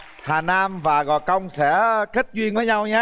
hà nam và gò công sẽ kết duyên với nhau nhé